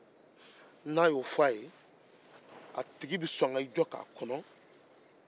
n'a y'o fɔ a ye a tigi bɛ sɔn k'i jɔ k'a kɔnɔ